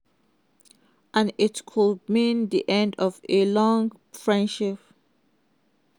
And it could mean the end of a long friendship.